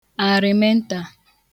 àrị̀mentà